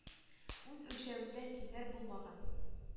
Үз үлчәвендә тиңнәр булмаган.